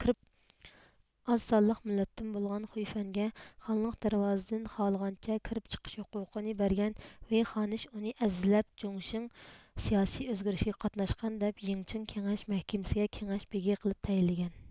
ئاز سانلىق مىللەتتىن بولغان خۈيفەنگە خانلىق دەرۋازىدىن خالىغانچە كىرىپ چىقىش ھوقۇقىنى بەرگەن ۋېي خانىش ئۇنى ئەزىزلەپ جوڭشىڭ سىياسىي ئۆزگۈرۈشىگە قاتناشقان دەپ يىڭچىڭ كېڭەش مەھكىمسىگە كېڭەش بېگى قىلىپ تەيىنلىگەن